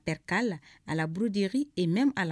Percale, à la broderie et même à la